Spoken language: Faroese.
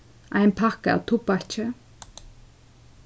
ein pakka av tubbaki